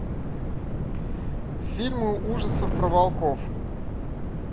фильмы ужасов про волков